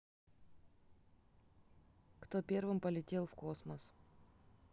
кто первым полетел в космос